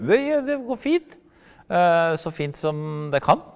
det det går fint, så fint som det kan.